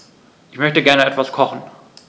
Ich möchte gerne etwas kochen.